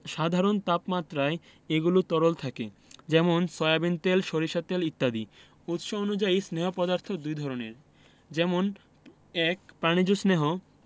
সাধারণ তাপমাত্রায় এগুলো তরল থাকে যেমন সয়াবিন তেল সরিষার তেল ইত্যাদি উৎস অনুযায়ী স্নেহ পদার্থ দুই দরনের যেমন ১. প্রাণিজ স্নেহ